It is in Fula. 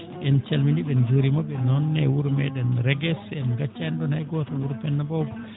en calminii ɓe en njuuriima ɓe noon e wuro meeɗen Regues en ngaccaani ɗoon hay gooto Wuro Penda Boobo